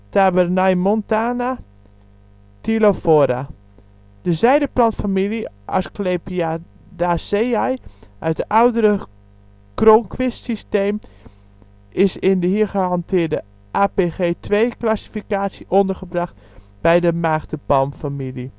Tabernaemontana Tylophora De zijdeplantfamilie (Asclepiadaceae) uit het oudere Cronquist-systeem is in de hier gehanteerde APG II classificatie ondergebracht bij de maagdenpalmfamilie